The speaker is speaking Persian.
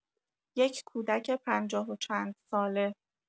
یک کودک پنجاه و چند ساله.